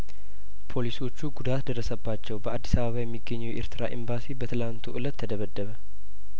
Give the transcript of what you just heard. ፖሊሶቹ ጉዳት ደረሰባቸው በአዲስ አበባ የሚገኘው የኤርትራ ኤምባሲ በትላንቱ እለት ተደበደበ